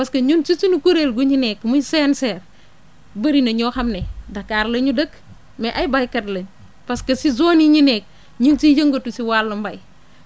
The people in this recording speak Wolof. parce que ñun ci suñu kuréel gu ñu nekk muy CNCR bëri na ñoo xam ne Dakar la ñu dëkk mais ay béykat lañ parce que ci zone yi ñu nekk ñu ngi siy yëngatu si wàllu mbay